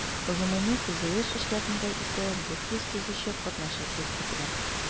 Гомуми төзелеш эшләрендә исә 400 төзүче катнашыр дип көтелә.